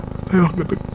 wallaay wax nga dëgg